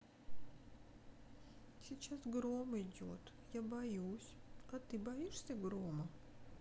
сейчас гром идет я боюсь а ты боишься грома